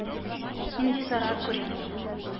— нинди зарар күрим?